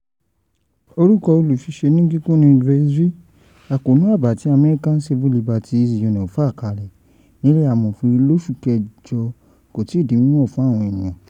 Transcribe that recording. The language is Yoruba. Orúkọ olúfiṣe ní kíkún ni Grace v. Àkóónú àbá tí American Civil Liberties Union fà kalẹ̀ nílé amòfin lóṣù kẹjọ kò ti di mímọ̀ fún àwọn ènìyàn.